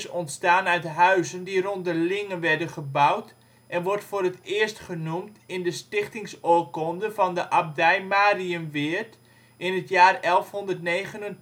ontstaan uit huizen die rond de Linge werden gebouwd en wordt voor het eerst genoemd in de stichtingsoorkonde van de abdij Mariënweerd in het jaar 1129